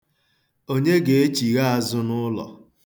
Onye ga-echigha azụ n'ụlọ?